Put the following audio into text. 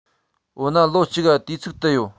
འོ ན ལོ གཅིག ག དུས ཚིགས དི ཡོད